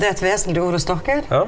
det er et vesentlig ord hos dere.